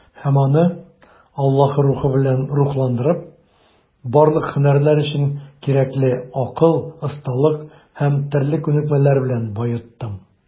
Һәм аны, Аллаһы Рухы белән рухландырып, барлык һөнәрләр өчен кирәкле акыл, осталык һәм төрле күнекмәләр белән баеттым.